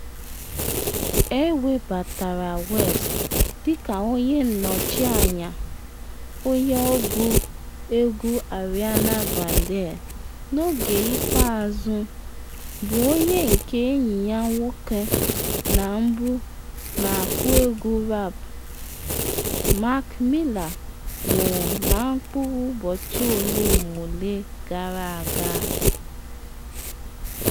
Ewebatara West dịka onye nnọchi anya onye ọgụ egwu Ariana Grande n’oge ikpeazụ, bụ onye nke enyi ya nwoke na mbu, na-akụ egwu rap Mac Miller nwụrụ na mkpụrụ ụbọchị ole ma ole gara aga.